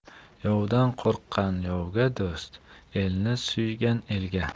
yovdan qo'rqqan yovga do'st elni suygan elga